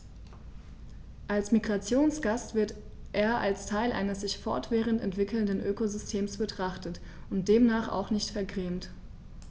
Als Migrationsgast wird er als Teil eines sich fortwährend entwickelnden Ökosystems betrachtet und demnach auch nicht vergrämt.